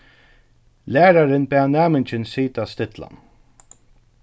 lærarin bað næmingin sita stillan